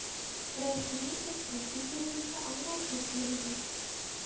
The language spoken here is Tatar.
Рәхим итеп, үз фикерегезне аңлатып бирегез